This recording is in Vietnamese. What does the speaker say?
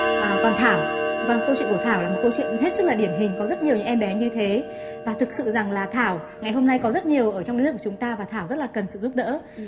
à còn thảo vâng câu chuyện của thảo là một câu chuyện hết sức là điển hình có rất nhiều những em bé như thế và thực sự rằng là thảo ngày hôm nay có rất nhiều ở trong nước của chúng ta và thảo rất cần sự giúp đỡ